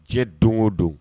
Cɛ don o don